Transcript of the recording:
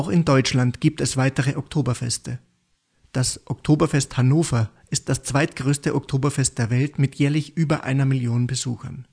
in Deutschland gibt es weitere Oktoberfeste. Das Oktoberfest Hannover ist das zweitgrößte Oktoberfest der Welt mit jährlich über einer Million Besuchern